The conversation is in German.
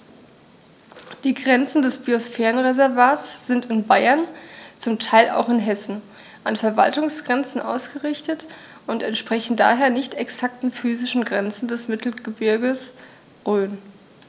Die Grenzen des Biosphärenreservates sind in Bayern, zum Teil auch in Hessen, an Verwaltungsgrenzen ausgerichtet und entsprechen daher nicht exakten physischen Grenzen des Mittelgebirges Rhön.